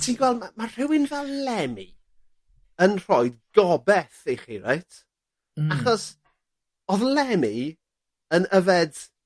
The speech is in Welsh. ...ti'n gweld ma' ma' rhywun fel Lemmy yn rhoi gobeth i chi reit. Hmm. Achos odd Lemmy yn yfed